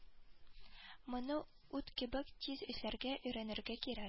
Моны ут кебек тиз эшләргә өйрәнергә кирәк